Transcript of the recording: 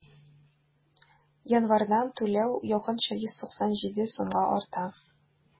Январьдан түләү якынча 197 сумга арта.